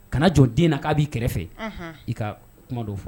Kana jɔn den na k'a b'i kɛrɛfɛ i ka kuma dɔw fɔ